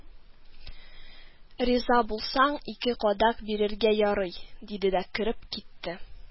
Риза булсаң, ике кадак бирергә ярый, – диде дә кереп китте